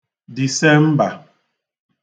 Dìsembà